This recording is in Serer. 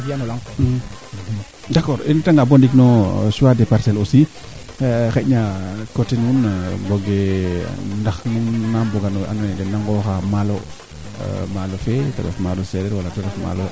xarmbaxay a mbuga ngaano ñowit maak waage ñof naaga to cookirag rendement fee bugoona aussi il faut o coxel espace fee ando naye tena jegu fo nombre fee te jeg na ko ga';a sax bo wiin we ngala xa wara lu wiin we mbañaa kaaf